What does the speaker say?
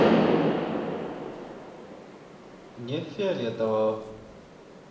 не фиолетового